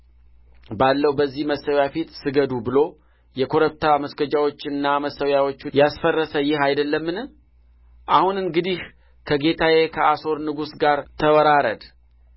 ባለው በዚህ መሠዊያ ፊት ሰገዱ ብሎ የኮረብታ መስገጃዎቹንና መሠዊያውቹን ያስፈረሰ ይህ አይደለምን አሁን እንግዲህ ከጌታዬ ከአሦር ንጉሥ ጋር ተወራረድ